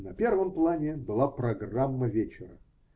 На первом плане была программа вечера.